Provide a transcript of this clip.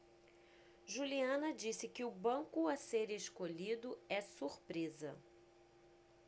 juliana disse que o banco a ser escolhido é surpresa